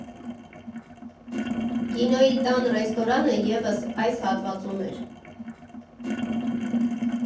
Կինոյի տան ռեստորանը ևս այս հատվածում էր։